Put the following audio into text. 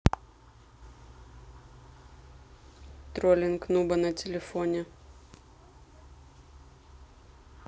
троллинг нуба на телефоне